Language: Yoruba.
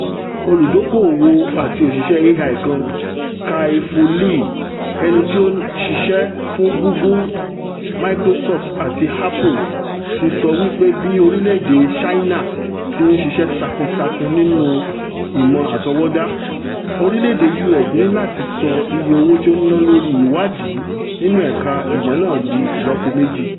Olùdóko-òwò àti òṣìṣẹ́ AI kan, Kai-Fu Lee, ẹniti ó ti ṣiṣẹ́ fún Google, Microsoft àti Apple tí sọ wí pé bí orílẹ̀-èdè Ṣáínà ti ǹ ṣíṣẹ́ tákútákún nínú Ìmọ̀ Àtọwọ́dá, orílẹ̀-èdè U.S ní láti sọ iye owó tí ó ń ná lórí ìwáàdí nínú ẹ̀ka ìmọ̀ náà di ìlọ́po méjì.